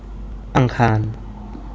อังคาร